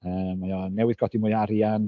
yy mae o newydd godi mwy o arian.